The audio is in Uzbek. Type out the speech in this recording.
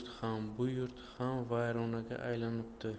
yurt ham vayronaga aylanibdi